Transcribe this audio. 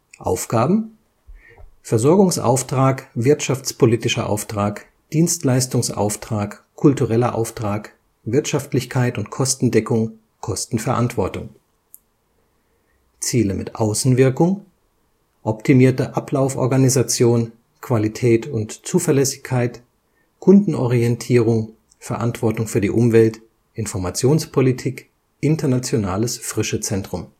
Aufgaben: Versorgungsauftrag, wirtschaftspolitischer Auftrag, Dienstleistungsauftrag, kultureller Auftrag, Wirtschaftlichkeit und Kostendeckung, Kostenverantwortung Ziele mit Außenwirkung: optimierte Ablauforganisation, Qualität und Zuverlässigkeit, Kundenorientierung, Verantwortung für die Umwelt, Informationspolitik, internationales Frischezentrum